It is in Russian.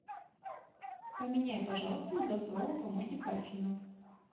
поменяй пожалуйста на голосового помощника афину